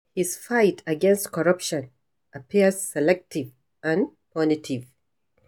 His fight against corruption appears selective and punitive.